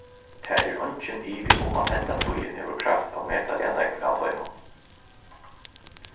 tað er eingin ivi um at henda tíðin hevur kravt ómetaliga nógv av teimum